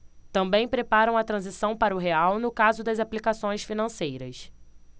também preparam a transição para o real no caso das aplicações financeiras